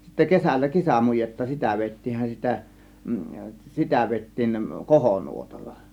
sitten kesällä kesämujetta sitä vedettiinhän sitä sitä vedettiin kohonuotalla